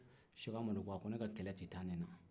sɛke amadu ko a ko ne ka kɛlɛ tɛ taa ni na